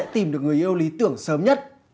tìm được người yêu lý tưởng sớm nhất